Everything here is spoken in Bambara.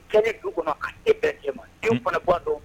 Kɛlɛ du kɔnɔ' e bɛɛ cɛ ma den fana bɔ don